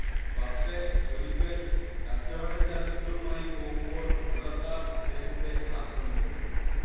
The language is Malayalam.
പക്ഷെ ഒരിക്കൽ കച്ചവടച്ചരക്കുകളുമായി പോകുമ്പോൾ കൊള്ളക്കാർ അദ്ദേഹത്തെ ആക്രമിച്ചു